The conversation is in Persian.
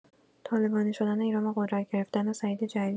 طالبانی شدن ایران با قدرت گرفتن سعید جلیلی